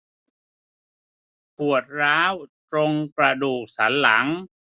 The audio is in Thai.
ปวดร้าวตรงกระดูกสันหลัง